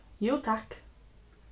jú takk